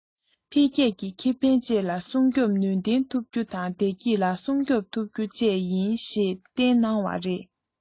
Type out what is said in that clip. འཕེལ རྒྱས ཀྱི ཁེ ཕན བཅས ལ སྲུང སྐྱོབ ནུས ལྡན ཐུབ རྒྱུ དང བདེ སྐྱིད ལ སྲུང སྐྱོབ ཐུབ རྒྱུ བཅས ཡིན ཞེས བསྟན གནང བ རེད